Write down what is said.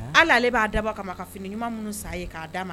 Ala ale b'a daba kama ma ka finiman minnu sa ye k'a d' ma